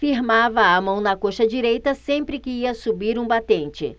firmava a mão na coxa direita sempre que ia subir um batente